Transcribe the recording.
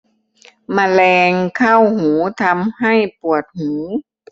แมลงเข้าหูทำให้ปวดหู